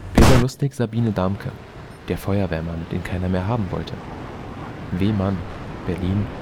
Peter Lustig, Sabine Damke: Der Feuerwehrmann, den keiner mehr haben wollte. W. Mann, Berlin